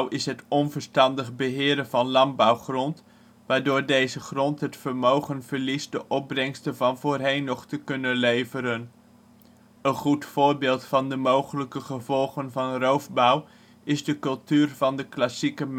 is het onverstandig beheer van landbouwgrond, waardoor deze grond het vermogen verliest de opbrengsten van voorheen nog te kunnen leveren. Een goed voorbeeld van de mogelijke gevolgen van roofbouw is de cultuur van de Klassieke